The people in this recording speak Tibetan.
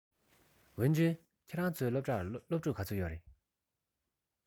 ཝུན ཅུན ཁྱོད རང ཚོའི སློབ གྲྭར སློབ ཕྲུག ག ཚོད ཡོད རེད